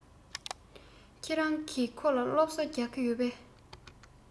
ཁྱེད རང གིས ཁོ ལ སློབ གསོ རྒྱག གི ཡོད པས